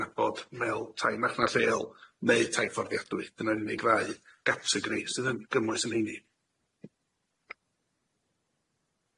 ddnabod me'wl tai marchnad lleol neu tai fforddiadwy dyna unig rai gaps y gwneud sydd yn gymhwys yn heini.